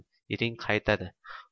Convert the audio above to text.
ering qaytadi